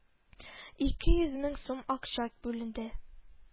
Ике йөз мең сум акча бүлде